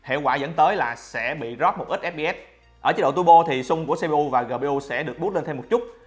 hệ quả dẫn tới là sẽ bị drop ít fps ở chế độ turbo xung của cpu và gpu sẽ được boost lên thêm một chút